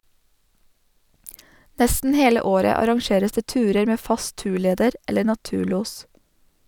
Nesten hele året arrangeres det turer med fast turleder, eller naturlos.